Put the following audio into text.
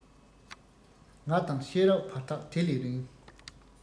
ང དང ཤེས རབ བར ཐག དེ ལས རིང